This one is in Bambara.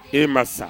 E ma sa